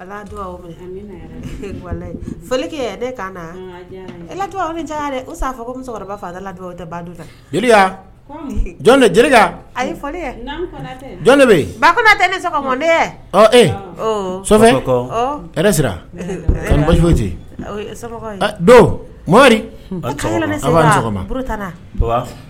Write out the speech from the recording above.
Don